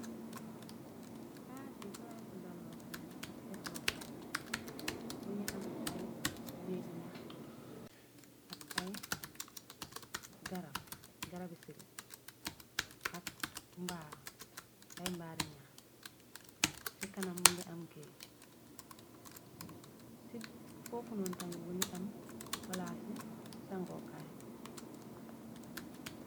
Palas bi palaasi dalookaay la ak pelookaay. Mingi am ay neggu ñyax ak ay garab, garabi sibe, ak mbaar, ay mbaari ñyax. Ci kanam mungi am kéej ci foffunoonu tamit mungi am palaasi sangookaay.